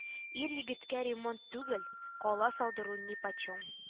Ир егеткә ремонт түгел, кала салдыру нипочем